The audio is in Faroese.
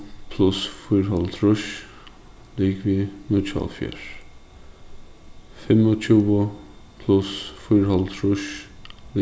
pluss fýraoghálvtrýss ligvið níggjuoghálvfjerðs fimmogtjúgu pluss fýraoghálvtrýss